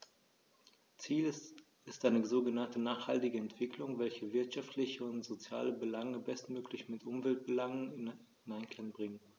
Ziel ist eine sogenannte nachhaltige Entwicklung, welche wirtschaftliche und soziale Belange bestmöglich mit Umweltbelangen in Einklang bringt.